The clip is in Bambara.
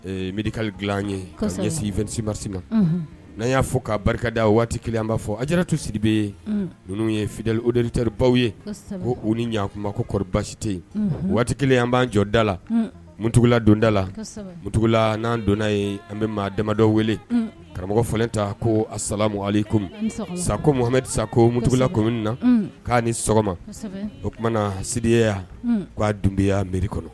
Mika dilan ye karisasi sifsibasi ma n'a y'a fɔ kaa barikada waati an b' fɔ a jararatu sibe yen ninnu ye filidtaribaw ye ko u ni ɲkuma ko koɔri basite waati kelen an b'an jɔda la muugula donda la muugula n'an donna ye an bɛ maa damadɔ wele karamɔgɔ fanalen ta ko asala m kɔmi sa ko muhamadu sa ko muugula kɔmi min na k'a ni sɔgɔma o tumana na siyaya k'a dunbeya miri kɔnɔ